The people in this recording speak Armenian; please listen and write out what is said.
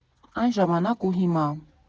Այն ժամանակ ու հիմա։